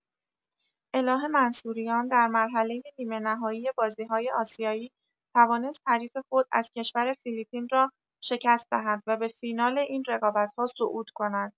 الهه منصوریان در مرحله نیمه‌نهایی بازی‌های آسیایی توانست حریف خود از کشور فیلیپین را شکست دهد و به فینال این رقابت‌ها صعود کند.